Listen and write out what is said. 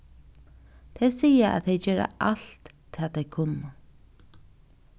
tey siga at tey gera alt tað tey kunnu